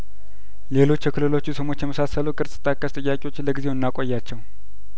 ሌሎች የክልሎቹ ስሞች የመሳሰሉ ቅርጽ ጠቀስ ጥያቄዎችን ለጊዜው እና ቆያቸው